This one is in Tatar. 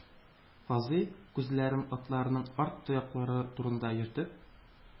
Казый, күзләрен атларның арт тояклары турында йөртеп: